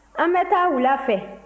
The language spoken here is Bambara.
an be taa wula fɛ